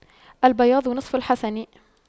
البياض نصف الحسن